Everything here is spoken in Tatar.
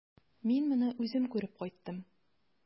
Мин моны үзем күреп кайттым.